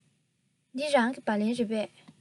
འདི རང གི སྦ ལན རེད པས